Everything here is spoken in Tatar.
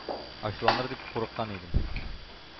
Ачуланыр дип курыккан идем,